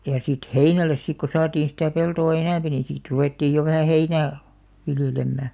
ja sitten heinälle sitten kun saatiin sitä peltoa enempi niin sitten ruvettiin jo vähän heinää viljelemään